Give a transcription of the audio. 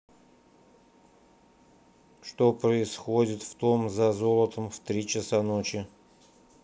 что происходит в том за золотом в три часа ночи